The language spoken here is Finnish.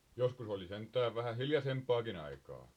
joskus oli sentään vähän hiljaisempaakin aikaa